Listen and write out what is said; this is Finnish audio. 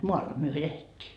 maalla me elettiin